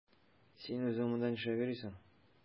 Син үзең монда нишләп йөрисең?